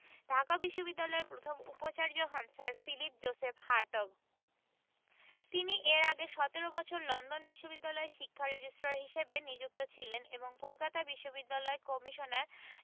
ঢাকা বিশ্ববিদ্যালয়ের প্রথম উপাচার্য হন স্যার ফিলিপ জোসেফ হার্টগ তিনি এর আগে ১৭ বছর লন্ডন বিশ্ববিদ্যালয়ে শিক্ষা রেজিস্ট্রার হিসেবে নিযুক্ত ছিলেন এবং কলকাতা বিশ্ববিদ্যালয় কমিশনের